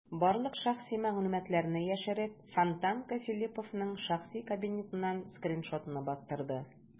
Барлык шәхси мәгълүматларны яшереп, "Фонтанка" Филипповның шәхси кабинетыннан скриншотны бастырды.